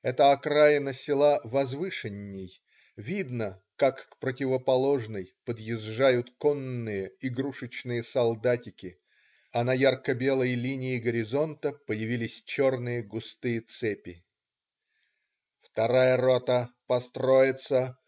Эта окраина села возвышенней: видно, как к противоположной подъезжают конные - игрушечные солдатики, а на ярко-белой линии горизонта появились черные, густые цепи. "Вторая рота построиться!